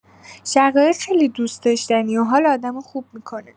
شقایق خیلی دوست داشتنیه و حال آدمو خوب می‌کنه.